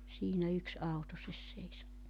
siinä yksi autonsa -